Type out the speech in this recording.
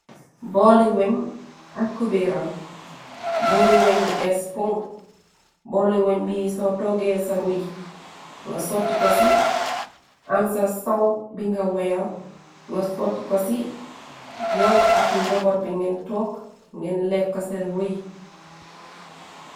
booli weñ ak cuberam, booli weñ bu eespul, booli weñ bi so toogee sa rui nga sotti ko ci, am sa sowe bi nga wohyal nga sooti ko ci, yow ak njabot bi ngen tok ngen lekk sehn rui.